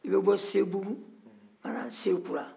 i bɛ bɔ sebugu ka na sekura